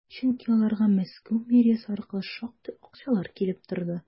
Чөнки аларга Мәскәү мэриясе аркылы шактый акчалар килеп торды.